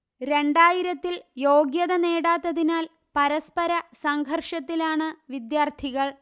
രണ്ടായിരത്തിൽ യോഗ്യത നേടാത്തതിനാൽ പരസ്പര സംഘർഷത്തിലാണ് വിദ്യാർത്ഥികൾ